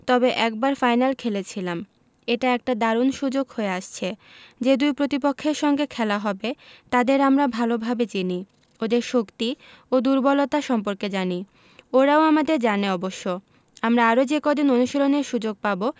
তবে একবার ফাইনাল খেলেছিলাম এটা একটা দারুণ সুযোগ হয়ে আসছে যে দুই প্রতিপক্ষের সঙ্গে খেলা হবে তাদের আমরা ভালোভাবে চিনি ওদের শক্তি ও দুর্বলতা সম্পর্কে জানি ওরাও আমাদের জানে অবশ্য আমরা আরও যে কদিন অনুশীলনের সুযোগ পাব